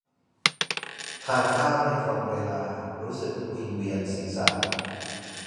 ทานข้าวไม่ตรงเวลารู้สึกวิงเวียนศีรษะ